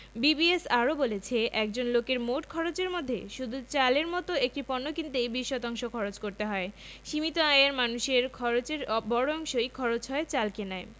BBS আরও বলছে একজন লোকের মোট খরচের মধ্যে শুধু চালের মতো একটি পণ্য কিনতেই ২০ শতাংশ খরচ করতে হয় সীমিত আয়ের মানুষের খরচের বড় অংশই খরচ হয় চাল কেনায়